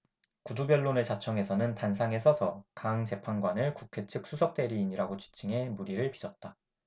구두변론을 자청해서는 단상에 서서 강 재판관을 국회 측 수석대리인이라고 지칭해 물의를 빚었다